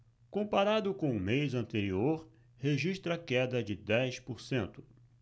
comparado com o mês anterior registra queda de dez por cento